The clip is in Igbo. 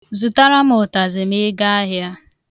Zụtara mụ ụtazị ma ị gaa ahịa.